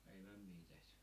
ei mämmiä tehty